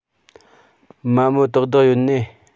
མ མོ དག དག ཡོན ནིས